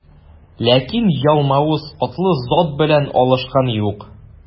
Ләкин Ялмавыз атлы зат белән алышкан юк.